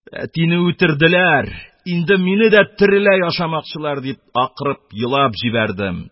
Әтине үтерделәр, инде мине дә тереләй ашамакчылар, - дип, акырып елап җибәрдем